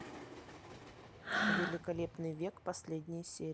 великолепный век последние серии